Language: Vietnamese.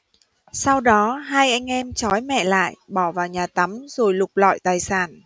sau đó hai anh em trói mẹ lại bỏ vào nhà tắm rồi lục lọi tài sản